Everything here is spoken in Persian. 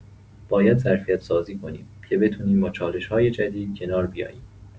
باید ظرفیت‌سازی کنیم که بتونیم با چالش‌های جدید کنار بیاییم.